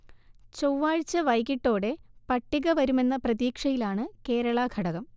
ചൊവ്വാഴ്ച വൈകിട്ടോടെ പട്ടിക വരുമെന്ന പ്രതീക്ഷയിലാണ് കേരളഘടകം